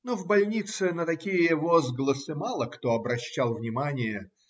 Но в больнице на такие возгласы мало кто обращал внимание.